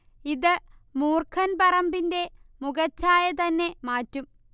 ഇത് മൂർഖൻ പറമ്പിന്റെ മുഖച്ഛായ തന്നെ മാറ്റും